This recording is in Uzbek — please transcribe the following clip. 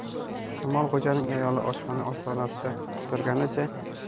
kamolxo'janing ayoli oshxona ostonasida turganicha